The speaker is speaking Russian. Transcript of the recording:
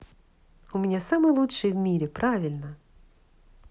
у меня самый лучший в мире правильно